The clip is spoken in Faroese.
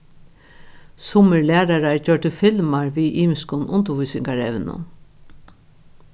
summir lærarar gjørdu filmar við ymiskum undirvísingarevnum